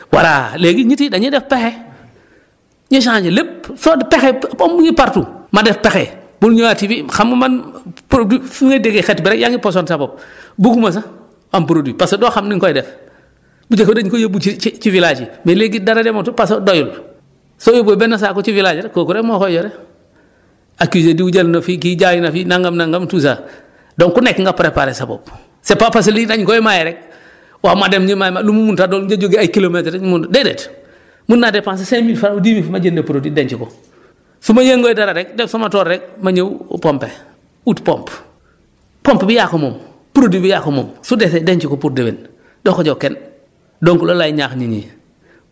voilà léegi nit yi dañuy def pexe ñu changer lépp foo pexe moom mi ngi partout ma def pexe ba mu ñëwaatee fii xam nga man produit fu ngay déggee xet bi rek yaa ngi poson sa bopp buggu ma sax am produit parce que doo xam ni nga koy def bu njëkk dañu koy yóbbu ci ci ci villages yi mais léegi dara dematul parce que doyul soo yóbboo benn saako ci village yi rek kooku rek moo koy yore accuser diw jël na fii kii jaay na fii nangam nagam tout ça donc ku nekk na préparer sa bopp c' est pas parce que lii daénu koy maye rek waaw ma dem ñu may ma lu mu mun a doon nga jóge ay kilomètres rek mu déedéet mun naa dépensé cinq mille fransc ou dix mille ma jëndee produit denc ko su ma yënguwee dara rek def sama tool rek ma ñëw pomper ut pompe pompe bi yaa ko moom produit bi yaa ko moom su desee denc ko pour déwén doo ko jox kenn donc loolu laay ñaax nit éni